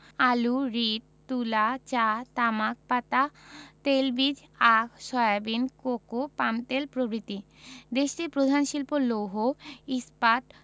আলু রীট তুলা চা তামাক পাতা তেলবীজ আখ সয়াবিন কোকো পামতেল প্রভৃতি দেশটির প্রধান শিল্প লৌহ ইস্পাত